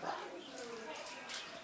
waaw